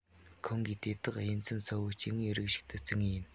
ཁོང གིས དེ དག དབྱེ མཚམས གསལ པའི སྐྱེ དངོས རིགས ཤིག ཏུ བརྩི ངེས ཡིན